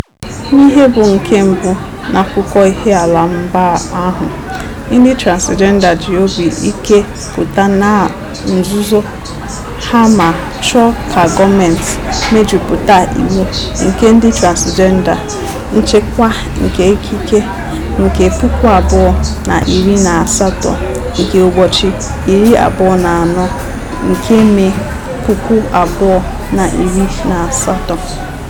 N'ihe bụ nke mbụ n'akụkọ ihe ala mba ahụ, ndị Transịjenda ji obi ike pụta na nzuzo ha ma chọọ ka Gọọmentị mejupụta Iwu nke Ndị Transịjenda (Nchekwa nke Ikike) nke 2018, nke ụbọchị 24 nke Mee, 2018.